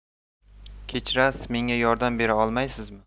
kechirasiz menga yordam bera olmaysizmi